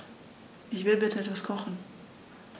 Ich will bitte etwas kochen.